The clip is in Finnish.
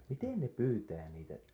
miten ne pyytää niitä